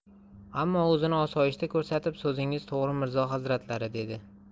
ammo o'zini osoyishta ko'rsatib so'zingiz to'g'ri mirzo hazratlari dedi